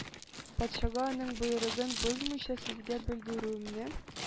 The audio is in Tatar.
Патшага аның боерыгын бозмыйча сезгә белдерүемне